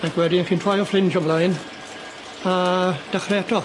Ac wedyn chi'n troi y fflinj ymblaen a dechre eto.